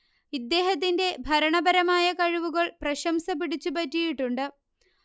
ഇദ്ദേഹത്തിന്റെ ഭരണപരമായ കഴിവുകൾ പ്രശംസ പിടിച്ചുപറ്റിയിട്ടുണ്ട്